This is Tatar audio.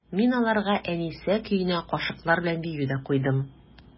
Мин аларга «Әнисә» көенә кашыклар белән бию дә куйдым.